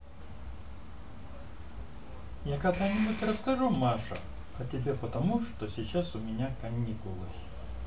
я когда нибудь расскажу маша о тебе потому что сейчас у меня каникулы